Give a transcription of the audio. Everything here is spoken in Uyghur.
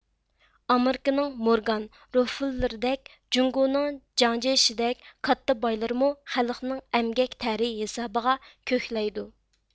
ئامېرىكىنىڭ مورگان روكفېللېردەك جۇڭگونىڭ جياڭجيېشىدەك كاتتا بايلىرىمۇ خەلقنىڭ ئەمگەك تەرى ھېسابىغا كۆكلەيدۇ